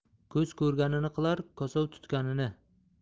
ko'z ko'rganini qilar kosov tutganini